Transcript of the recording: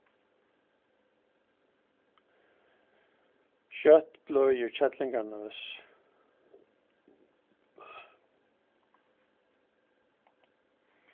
skjótt bløðir kellingarnøs